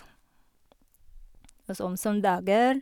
Og så om søndager...